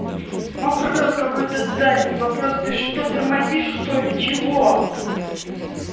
вопрос какой то дальний вопрос ты что тормозишь что ли чего